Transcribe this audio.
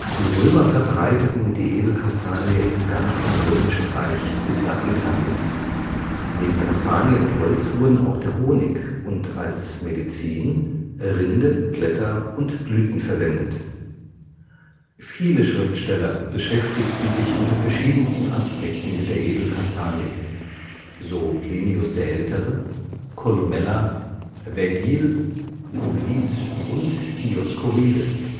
Die Römer verbreiteten die Edelkastanie im ganzen Römischen Reich bis nach Britannien, neben Kastanien und Holz wurden auch der Honig und als Medizin Rinde, Blätter und Blüten verwendet. Viele Schriftsteller beschäftigten sich unter verschiedensten Aspekten mit der Edelkastanie, so Plinius der Ältere, Columella, Vergil, Ovid und Dioskurides